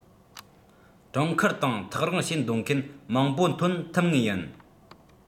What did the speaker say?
གྲོང ཁུལ དང ཐག རིང བྱེད འདོད མཁན མང པོ ཐོན ཐུབ ངེས ཡིན